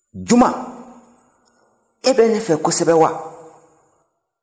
juman e bɛ ne fɛ kosɛbɛ wa